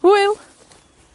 Hwyl!